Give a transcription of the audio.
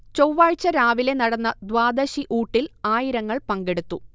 ചൊവ്വാഴ്ച രാവിലെ നടന്ന ദ്വാദശിഊട്ടിൽ ആയിരങ്ങൾ പങ്കെടുത്തു